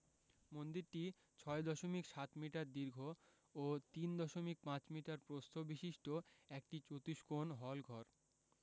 মন্দিরটি ৬ দশমিক ৭ মিটার দীর্ঘ ও ৩ দশমিক ৫ মিটার প্রস্থ বিশিষ্ট একটি চতুষ্কোণ হলঘর